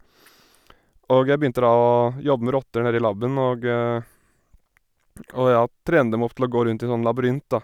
Og jeg begynte da å jobbe med rotter nedi labben, og og, ja, trene dem opp til å gå rundt i sånn labyrint, da.